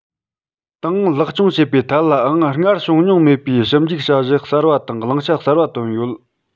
ཏང ལེགས སྐྱོང བྱེད པའི ཐད ལའང སྔར བྱུང མྱོང མེད པའི ཞིབ འཇུག བྱ གཞི གསར པ དང བླང བྱ གསར པ བཏོན ཡོད